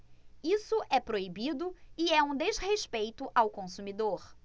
isso é proibido e é um desrespeito ao consumidor